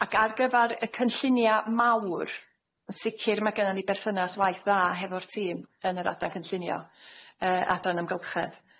Ac ar gyfar y cynllunia' mawr, yn sicir ma' gynnon ni berthynas waith dda hefo'r tîm yn yr Adran Gynllunio yy Adran Amgylchedd.